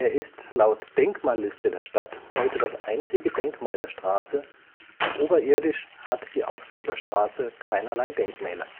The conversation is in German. ist laut Denkmalliste der Stadt heute das einzige Denkmal der Straße, oberirdisch hat die Augsburger Straße keinerlei Denkmäler